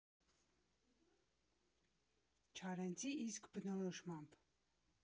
Չարենցի իսկ բնորոշմամբ։